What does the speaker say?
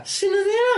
Su' nath i wnna?